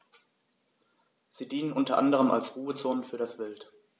Sie dienen unter anderem als Ruhezonen für das Wild.